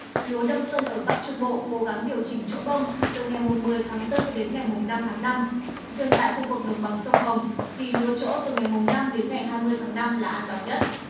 lúa đông xuân ở bắc trung bộ cố gắng điều chỉnh chỗ bông từ ngày mùng mười tháng tư đến ngày mùng năm tháng năm riêng tại khu vực đồng bằng sông hồng thì lúa trỗ từ ngày mùng năm đến ngày hai mươi tháng năm là an toàn nhất